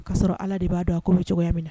O'a sɔrɔ ala de b'a dɔn a ko bɛ cogoyamina na